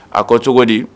A ko cogo di